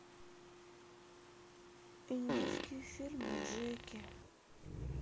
индийские фильмы джекки